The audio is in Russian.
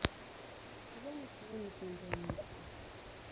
я ничего не смогла найти